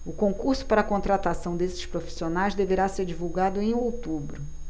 o concurso para contratação desses profissionais deverá ser divulgado em outubro